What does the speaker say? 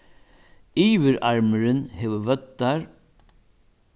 yvirarmurin hevur vøddar